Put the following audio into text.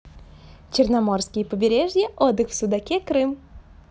черноморское побережье отдых в судаке крым